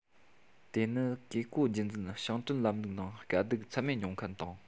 དེ ནི བཀས བཀོད རྒྱུད འཛིན ཞིང བྲན ལམ ལུགས ནང དཀའ སྡུག ཚད མེད མྱོང མཁན དང